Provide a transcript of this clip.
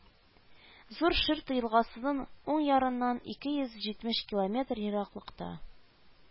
Зур Ширта елгасының уң ярыннан ике йөз җитмеш километр ераклыкта